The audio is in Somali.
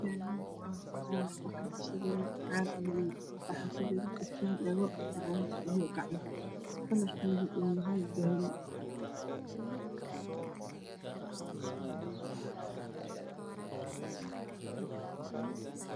meshaani waa bor wax ku sawiran cak madow wax ku jiro katiin dhago farti dhago iyo gacan kalar kodu ow yahay dahabi